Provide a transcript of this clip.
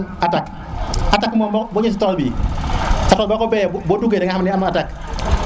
attaque attaque bune si tool bi attaque boko beye bo duge dinga xame ne li da am attaque